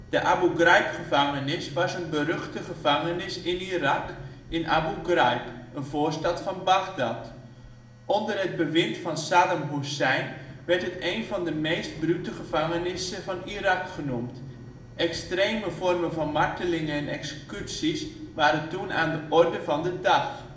De Abu Ghraib-gevangenis is een beruchte gevangenis in Irak, in Abu Ghraib, een voorstad van Bagdad. Onder het bewind van Saddam Hoessein werd het één van de meest brute gevangenissen van Irak genoemd. Extreme vormen van martelingen en executies waren toen aan de orde van de dag